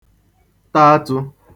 ta atụ̄